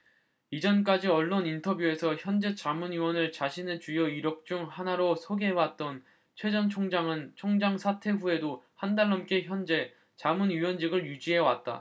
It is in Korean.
이전까지 언론 인터뷰에서 헌재 자문위원을 자신의 주요 이력 중 하나로 소개해왔던 최 전 총장은 총장 사퇴 후에도 한달 넘게 헌재 자문위원직을 유지해왔다